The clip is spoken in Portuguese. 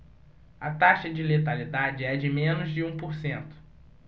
a taxa de letalidade é de menos de um por cento